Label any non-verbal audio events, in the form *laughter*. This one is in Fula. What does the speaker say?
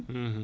*hesitation* *hesitation*